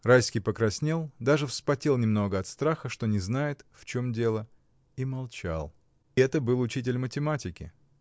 Райский покраснел, даже вспотел немного от страха, что не знает в чем дело, и молчал. Это был учитель математики.